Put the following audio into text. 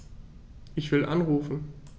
Ich will anrufen.